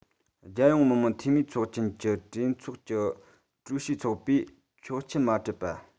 རྒྱལ ཡོངས མི དམངས འཐུས མིའི ཚོགས ཆེན གྱི གྲོས ཚོགས ཀྱི ཀྲུའུ ཞིའི ཚོགས པས ཆོག མཆན མ སྤྲད པ